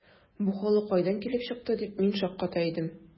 “бу халык кайдан килеп чыкты”, дип мин шакката идем.